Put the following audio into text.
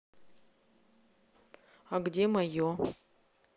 а где мое